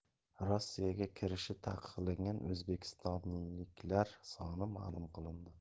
rossiyaga kirishi taqiqlangan o'zbekistonliklar soni ma'lum qilindi